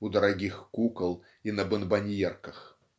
у дорогих кукол и на бонбоньерках"